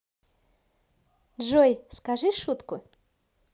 джой скажи шутку